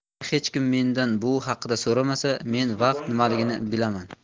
agar hech kim mendan bu haqda so'ramasa men vaqt nimaligini bilaman